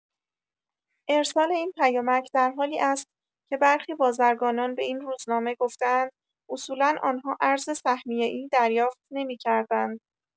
ارسال این پیامک در حالی است که برخی بازرگانان به این روزنامه گفته‌اند اصولا آنها ارز سهمیه‌ای دریافت نمی‌کردند.